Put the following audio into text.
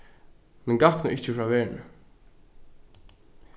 men gakk nú ikki frá verðini